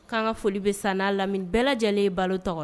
K'an ka foli bɛ san n'a lammi bɛɛ lajɛlenlen balo tɔgɔ